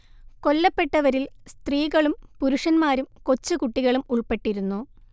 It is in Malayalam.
കൊല്ലപ്പെട്ടവരിൽ സ്ത്രീകളും പുരുഷന്മാരും കൊച്ചു കുട്ടികളും ഉൾപ്പെട്ടിരുന്നു